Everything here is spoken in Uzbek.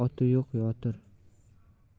oti yo'q yotir